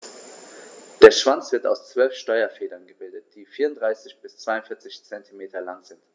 Der Schwanz wird aus 12 Steuerfedern gebildet, die 34 bis 42 cm lang sind.